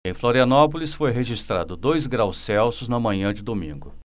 em florianópolis foi registrado dois graus celsius na manhã de domingo